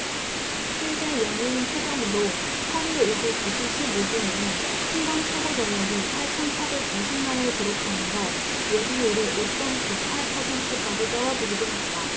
실제 연이은 폭염으로 팔 일 오후 두 시 십 오 분에는 순간 최고전력이 팔천 사백 이십 만 를 기록하면서 예비율이 오 쩜 구 팔 퍼센트까지 떨어지기도 했다